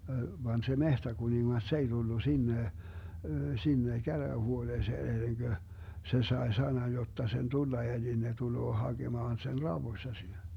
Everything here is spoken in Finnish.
vaan se metsäkuningas se ei tullut sinne sinne käräjähuoneeseen ennen kuin se sai sanan jotta sen tulla eli ne tulee hakemaan sen raudoissa sinne